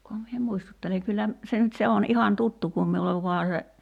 kunhan minä muistuttelen kyllä se nyt se on ihan tuttu kun minulle vain se